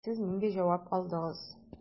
Ә сез нинди җавап алдыгыз?